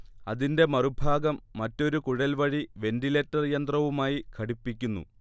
അതിന്റെ മറുഭാഗം മറ്റൊരു കുഴൽ വഴി വെന്റിലേറ്റർ യന്ത്രവുമായി ഘടിപ്പിക്കുന്നു